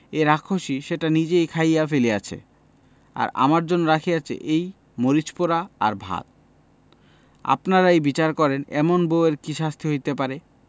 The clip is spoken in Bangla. এই রাক্ষসী সেটা নিজেই খাইয়া ফেলিয়াছে আর আমার জন্য রাখিয়াছে এই মরিচ পোড়া আর ভাত আপনারাই বিচার করেন এমন বউ এর কি শাস্তি হইতে পারে